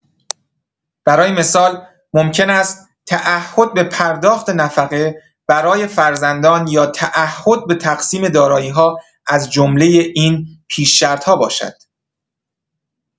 برای مثال، ممکن است تعهد به پرداخت نفقه برای فرزندان یا تعهد به تقسیم دارایی‌ها از جمله این پیش شرط‌ها باشد.